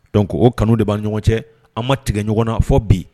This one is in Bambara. Donc o kanu de bɛ ɲɔgɔn cɛ an ma tigɛ ɲɔgɔn na fɔ bi